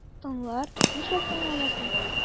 Тыңлар, нишләп тыңламасын?